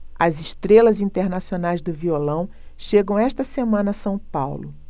as estrelas internacionais do violão chegam esta semana a são paulo